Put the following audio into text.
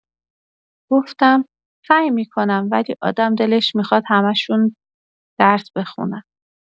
گفتم: «سعی می‌کنم، ولی آدم دلش می‌خواد همه‌شون درس بخونن.»